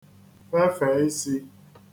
fefe īsī